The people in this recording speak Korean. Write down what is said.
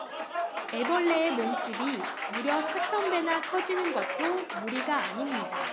애벌레의 몸집이 무려 사천 배나 커지는 것도 무리가 아닙니다